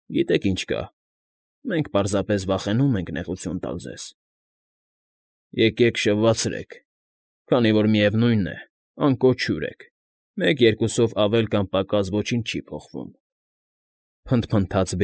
Գիտեք ինչ կա, մենք պարզապես վախենում ենք նեղություն տալ ձեզ։ ֊ Եկեք շվվացրեք… Քանի որ, միևնույն է, անկոչ հյուր եք, մեկ֊երկուսով ավել կամ պակաս ոչինչ չի փոխվում,֊ փնթփնթաց։